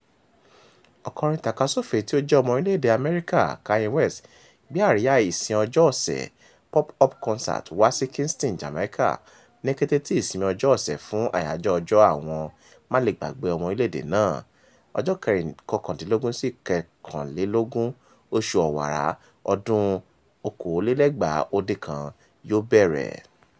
Ọ̀kọrin tàkasúfèé tí ó jẹ́ ọmọ orílẹ̀ èdèe Amẹ́ríkà Kanye West gbé àríyá "Ìsìn Ọjọ́ Ọ̀sẹ̀ " pop-up concert wá sí Kingston, Jamaica, ní kété tí ìsinmi ọjọ́ ọ̀sẹ̀ fún Àyájọ́ Ọjọ́ Àwọn Málegbàgbé Ọmọ Orílẹ̀-èdè náà (19-21, oṣù Ọ̀wàrà ọdún-un 2019) yóò bẹ̀rẹ̀.